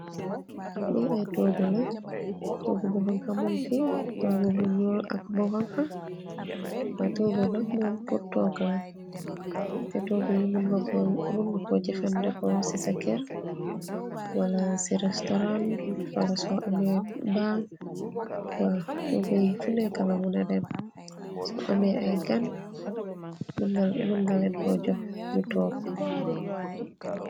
Lii ay toogu la, toogu bu xonxa mu fii, toogu bu nyuul ak bu xonxa way toogu yi nak por toog la, te toogu yi munga ko, mungo ko jafandiko si sa ker, wala si rastauran, wala so amne baal, wa toogu yi funeka la muna dem, so amne ay gan mun galeko jox nyu toog